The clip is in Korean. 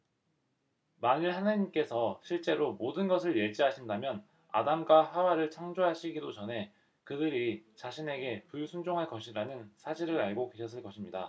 만일 하느님께서 실제로 모든 것을 예지하신다면 아담과 하와를 창조하시기도 전에 그들이 자신에게 불순종할 것이라는 사실을 알고 계셨을 것입니다